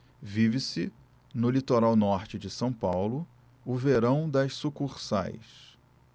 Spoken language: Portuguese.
vive-se no litoral norte de são paulo o verão das sucursais